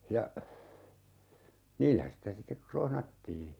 ja niillä sitä sitten krohnattiin